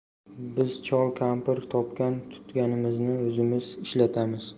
biz chol kampir topgan tutganimizni o'zimizga ishlatamiz